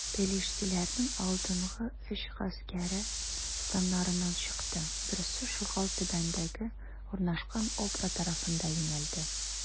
Пелештиләрнең алдынгы өч гаскәре, станнарыннан чыкты: берсе Шугал төбәгендә урнашкан Опра тарафына юнәлде.